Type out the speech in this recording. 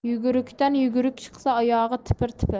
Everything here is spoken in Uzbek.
yugurukdan yuguruk chiqsa oyog'i tipir tipir